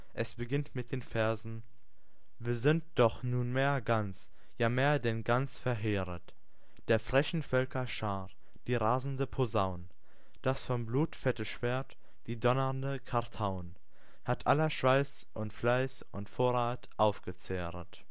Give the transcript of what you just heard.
Es beginnt mit den Versen: Wir sind doch nunmehr ganz, ja mehr denn ganz verheeret! Der frechen Völker Schar, die rasende Posaun Das vom Blut fette Schwert, die donnernde Kartaun, Hat aller Schweiß und Fleiß und Vorrat aufgezehret